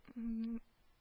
Мммм